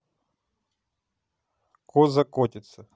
коза котится